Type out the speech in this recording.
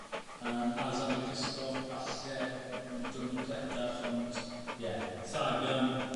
yym Alexander Kristoff falle mewn diwrnod cletach ond ie Sagan